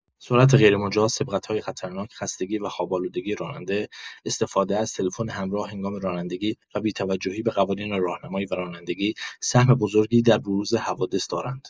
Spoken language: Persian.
سرعت غیرمجاز، سبقت‌های خطرناک، خستگی و خواب‌آلودگی راننده، استفاده از تلفن همراه هنگام رانندگی و بی‌توجهی به قوانین راهنمایی و رانندگی، سهم بزرگی در بروز حوادث دارند.